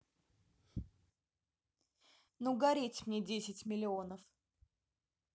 ну гореть мне десять миллионов